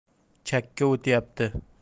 chakka o'tyapti